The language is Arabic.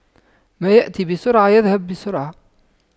ما يأتي بسرعة يذهب بسرعة